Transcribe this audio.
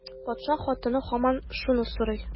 Патша хатыны һаман шуны сорый.